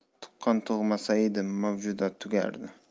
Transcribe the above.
tuqqan tug'masaydi mavjudot tugardi